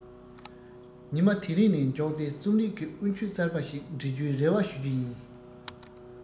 ཉི མ དེ རིང ནས འཇོག སྟེ རྩོམ རིག གི དབུ ཁྱུད གསར པ ཞིག འབྲི རྒྱུའི རེ བ ཞུ རྒྱུ ཡིན